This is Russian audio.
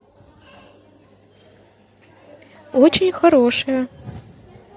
очень хорошие